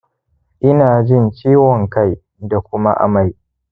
ina jin ciwon kai da kuma amai